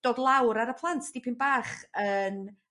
dod lawr ar y plant dipyn bach yn